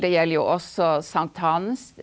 det gjelder jo også sankthans.